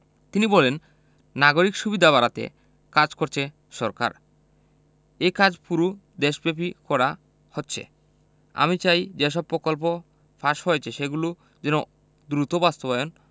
তিনি বলেন নাগরিক সুবিধা বাড়াতে কাজ করছে সরকার এই কাজ পুরো দেশব্যাপী করা হচ্ছে আমি চাই যেসব প্রকল্প পাস হয়েছে সেগুলো যেন দ্রুত বাস্তবায়ন